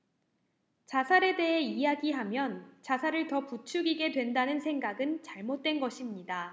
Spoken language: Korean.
자살에 대해 이야기하면 자살을 더 부추기게 된다는 생각은 잘못된 것입니다